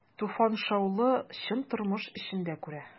Туфан шаулы, чын тормыш эчендә күрә.